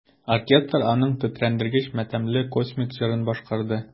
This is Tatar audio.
Оркестр аның тетрәндергеч матәмле космик җырын башкарды.